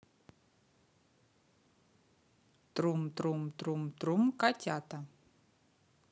трум трум трум трум котята